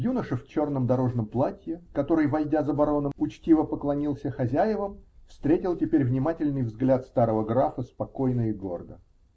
Юноша в черном дорожном платье, который, войдя за бароном, учтиво поклонился хозяевам, встретил теперь внимательный взгляд старого графа спокойно и гордо.